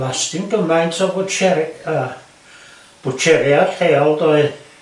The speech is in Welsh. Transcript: Las- dim gymaint o bwtsier- yy bwtsieriaid lleol doedd?